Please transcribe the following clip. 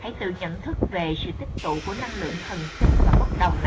hãy tự nhận thức về sự tích tụ của năng lượng thần kinh và bốc đồng này